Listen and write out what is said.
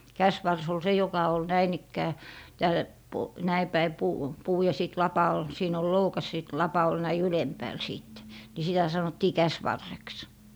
käsivarsi oli se joka oli näin ikään täällä - näin päin puu puu ja sitten lapa oli siinä oli loukas sitten lapa oli näin ylempäällä sitten niin sitä sanottiin käsivarreksi